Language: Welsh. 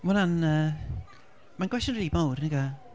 Ma' hwnna'n yy, mae'n gwestiwn rili mawr, nag yw e?